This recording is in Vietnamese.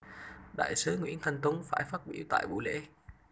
đại sứ nguyễn thanh tuấn phải phát biểu tại buổi lễ